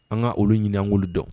An ka olu ɲinian dɔn